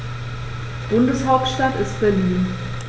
Bundeshauptstadt ist Berlin.